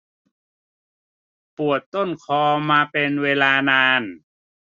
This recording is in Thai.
ปวดต้นคอมาเป็นเวลานาน